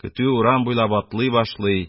Көтү урман буйлап атлый башлый,